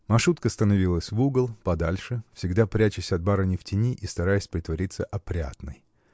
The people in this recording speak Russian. Машутка становилась в угол, подальше, всегда прячась от барыни в тени и стараясь притвориться опрятной.